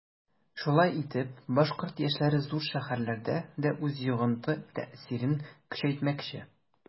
Шулай итеп башкорт яшьләре зур шәһәрләрдә дә үз йогынты-тәэсирен көчәйтмәкче.